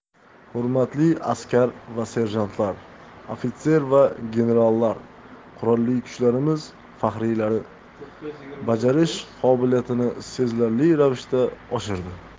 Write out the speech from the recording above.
hurmatli askar va serjantlar ofitser va generallar qurolli kuchlarimiz faxriylari bajarish qobiliyatini sezilarli ravishda oshirdi